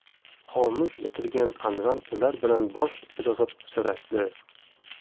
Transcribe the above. xomush o'tirgan anvar ular bilan bosh irg'ab so'rashdi